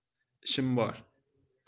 ishim bor